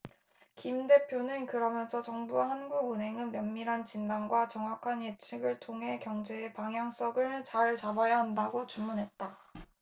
김 대표는 그러면서 정부와 한국은행은 면밀한 진단과 정확한 예측을 통해 경제의 방향성을 잘 잡아야 한다고 주문했다